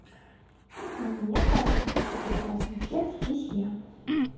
ну мне кажется что прекрасней всех здесь я